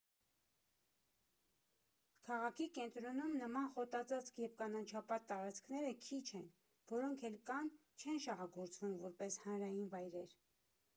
Քաղաքի կենտրոնում նման խոտածածկ և կանաչապատ տարածքները քիչ են, որոնք էլ կան՝ չեն շահագործվում որպես հանրային վայրեր։